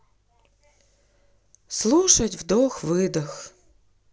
слушать вдох выдох